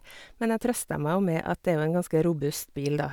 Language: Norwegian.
Men jeg trøster meg jo med at det er jo en ganske robust bil, da.